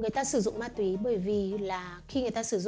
người ta sử dụng ma túy vì là khi mà người ta sử dụng